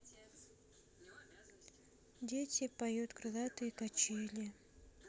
дети поют крылатые качели